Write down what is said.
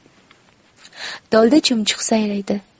tolda chumchuq sayraydi